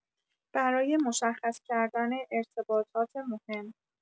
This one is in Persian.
برای مشخص کردن ارتباطات مهم